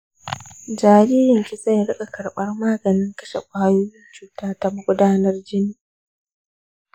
jaririnki zai riƙa karɓar maganin kashe ƙwayoyin cuta ta magudanar jini